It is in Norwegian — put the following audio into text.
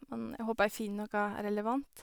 Men jeg håper jeg finner noe relevant.